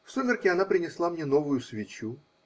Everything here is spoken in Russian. В сумерки она принесла мне новую свечу.